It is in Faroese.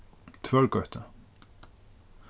tvørgøta